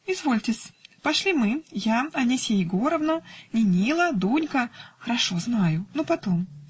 -- Извольте-с; пошли мы, я, Анисья Егоровна, Ненила, Дунька. -- Хорошо, знаю. Ну потом?